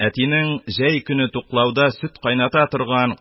Әтинең жәй көне туклауда сөт кайната торган,